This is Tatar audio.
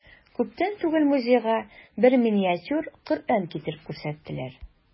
Күптән түгел музейга бер миниатюр Коръән китереп күрсәттеләр.